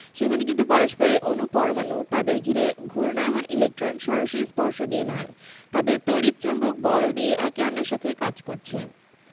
তোমরা যখন তোমাদের দৈনন্দিন জীবনে নানা কাজে বল ব্যবহার করো তখন তোমাদের মনে হতে পারে কোনো কোনো বল প্রয়োগ করতে হলে স্পর্শ করতে হয় ক্রেন দিয়ে ভারী জিনিস তোলা কোনো কিছুকে ধাক্কা দেওয়া